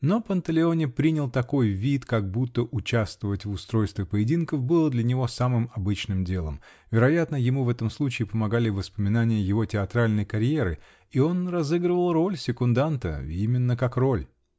Но Панталеоне принял такой вид, как будто участвовать в устройстве поединков было для него самым обычным делом: вероятно, ему в этом случае помогали воспоминания его театральной карьеры -- и он разыгрывал роль секунданта именно как роль.